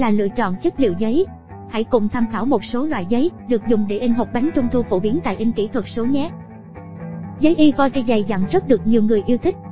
tiếp theo là lựa chọn chất liệu giấy hãy cùng tham khảo một số loại giấy được dùng để in hộp bánh trung thu phổ biến tại inkythuatso nhé giấy ivory dày dặn rất được nhiều người yêu thích